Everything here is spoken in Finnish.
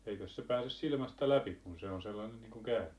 eikös se pääse silmästä läpi kun se on sellainen niin kuin käärme